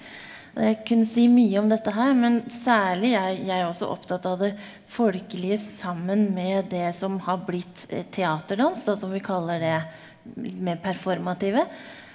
og jeg kunne si mye om dette her, men særlig er jeg også opptatt av det folkelige sammen med det som har blitt teaterdans da, som vi kaller det mer performative.